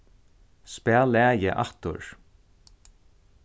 spæl lagið aftur